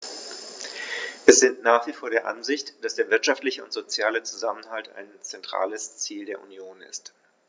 Wir sind nach wie vor der Ansicht, dass der wirtschaftliche und soziale Zusammenhalt ein zentrales Ziel der Union ist.